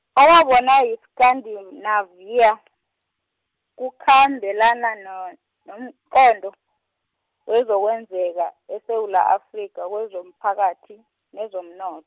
okwabonwa yi- Scandinavia , kukhambelana no, nomqondo , wezokwenzeka eSewula Afrika kwezomphakathi, nezomno-.